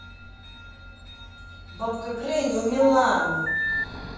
бабка гренни у миланы